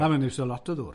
Na, mae'n iwsio lot o ddŵr.